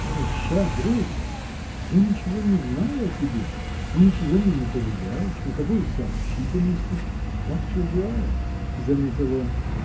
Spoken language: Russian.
— Хороша дружба: я ничего не знаю о тебе, — ты ничего мне не поверяешь, никакой сообщительности — как чужая. — заметил он.